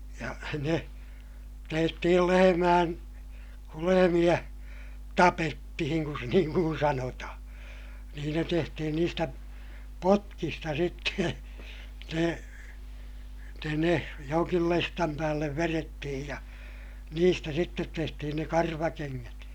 ja ne tehtiin jo lehmien kun lehmiä tapettiin kun niin kuin sanotaan niin ne tehtiin niistä potkista sitten ne ne ne jonkin lestin päälle vedettiin ja niistä sitten tehtiin ne karvakengät